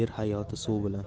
yer hayoti suv bilan